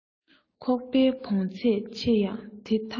ཁོག པའི བོངས ཚད ཆེ ཡང དེ ཐམས ཅད